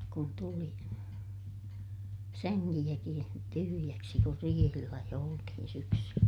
kun tuli sängilläkin tyhjäksi kun riihillä jo oltiin syksyllä